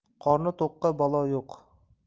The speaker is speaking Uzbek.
qorni to'qqa balo yo'q